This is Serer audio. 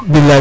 Bilay